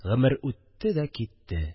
Гомер үтте дә китте